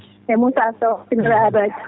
e Moussa Sow *